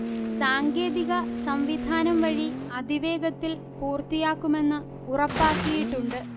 സാങ്കേതിക സംവിധാനം വഴി അതിവേഗത്തിൽ പൂർത്തിയാക്കുമെന്ന്ഉറപ്പാക്കിയിട്ടുണ്ട്